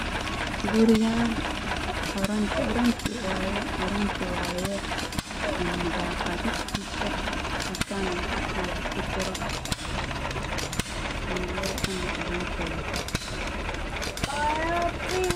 Waa guri gurigaan oranji oranji waayo